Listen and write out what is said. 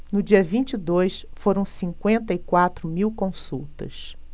no dia vinte e dois foram cinquenta e quatro mil consultas